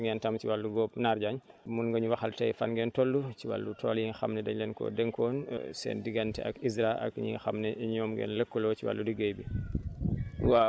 commencé ngeen tam si wàllu góob Naar Diagne mun nga ñu waxal tey fan ngeen toll si wàllu yi nga xam ne dañ leen ko dénkoon seen diggante ak ISRA ak ñi nga xam ne ñoom ngeen lëkkaloo ci wàllu liggéey bi